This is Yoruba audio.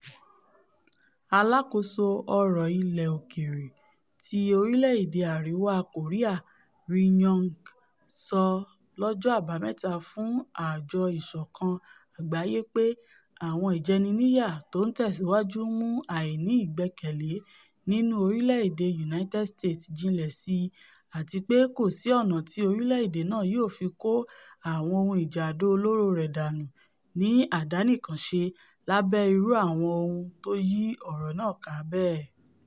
Aláàkóso ọ̀rọ̀ ilẹ̀ òkèèrè ti orílẹ̀-èdè Àrìwá Kòríà Ri Yong sọ lọ́jọ́ Àbámẹ̵́ta fún Àjọ Ìṣọ̀kan Àgbáyé pé àwọn ìjẹniníyà tó ńtẹ̵̀síwájú ńmú àìní-ìgbẹkẹ̀lé nínú orílẹ̀-èdè United States jinlẹ̀ síi àtipé kòsí ọ̀nà tí orílẹ̀-èdè náà yóò fi kó àwọn ohun ìjà àdó olóro rẹ̀ dánù ní àdánìkànṣe lábẹ́ irú àwọn ohun tóyí ọ̀rọ̀ náà ká bẹ́ẹ̀.